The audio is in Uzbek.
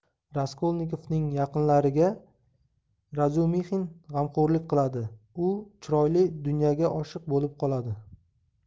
raskolnikovning yaqinlariga razumixin g'amxo'rlik qiladi u chiroyli dunyaga oshiq bo'lib qoladi